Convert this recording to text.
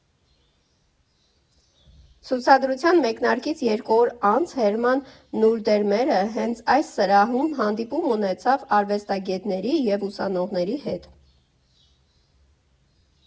Ցուցադրության մեկնարկից երկու օր անց Հերման Նուրդերմերը հենց այս սրահում հանդիպում ունեցավ արվեստագետների և ուսանողների հետ։